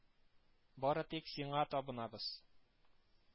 Бары тик Сиңа табынабыз